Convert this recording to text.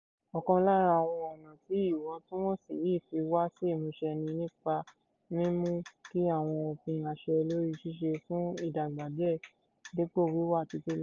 Ọ̀kan lára àwọn ọ̀nà tí iwọntún-wọnsì yìí fi wá sí ìmúṣẹ ni nípa mímú kí àwọn òfin àṣẹ-lórí ṣiṣẹ́ fún ìgbà díẹ̀ dípò wíwà títí láé.